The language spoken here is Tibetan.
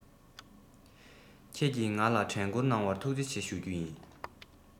ཁྱེད ཀྱིན ང ལ དྲན ཀུར གནང བར ཐུག ཆེ ཟེར རྒྱུ ཡིན